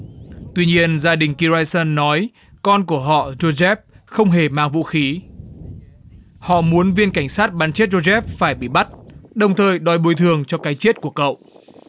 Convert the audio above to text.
tuy nhiên gia đình ki roai sân nói con của họ dô dép không hề mang vũ khí họ muốn viên cảnh sát bắn chết dô dép phải bị bắt đồng thời đòi bồi thường cho cái chết của cậu